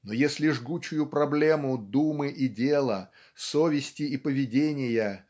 но если жгучую проблему думы и дела совести и поведения